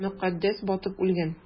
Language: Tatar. Мөкаддәс батып үлгән!